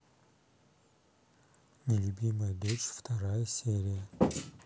нелюбимая дочь вторая серия